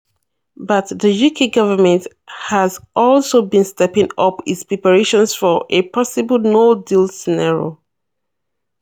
But the UK Government has also been stepping up its preparations for a possible no-deal scenario.